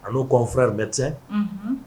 A n g fɛrɛ bɛ cɛ